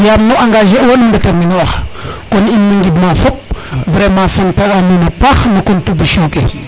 yaam nu engager wa kon in way ngid ma fop vraiment sante a nuuna paax no contribution fe